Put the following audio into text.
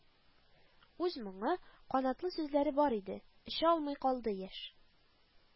Үз моңы, канатлы сүзләре бар иде, оча алмый калды яшь